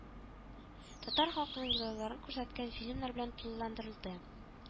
Татар халкының йолаларын күрсәткән фильмна белән тулыландырылды